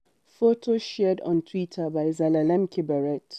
Photo shared on Twitter by Zelalem Kiberet.